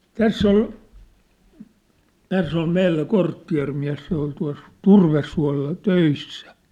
tässä oli tässä oli meillä kortteerimies se oli tuossa turvesuolla töissä